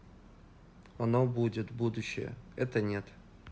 оно будет будущее это нет